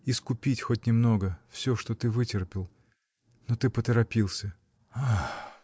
искупить хоть немного всё, что ты вытерпел. Но ты поторопился! — Ах!